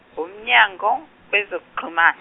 uMnyango wezokuXhuma- .